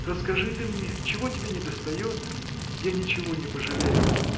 Расскажи ты мне: чего тебе недостает? я ничего не пожалею.